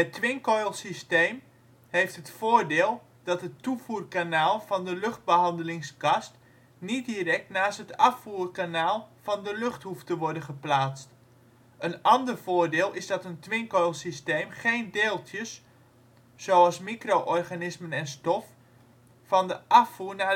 twincoilsysteem heeft het voordeel dat het toevoerkanaal van de luchtbehandelingskast niet direct naast het afvoerkanaal van de lucht hoeft te worden geplaatst. Een ander voordeel is dat een twincoil systeem géén deeltjes (zoals micro-organismen en stof) van de afvoer - naar